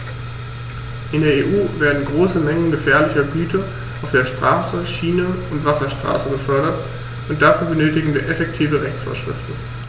In der EU werden große Mengen gefährlicher Güter auf der Straße, Schiene und Wasserstraße befördert, und dafür benötigen wir effektive Rechtsvorschriften.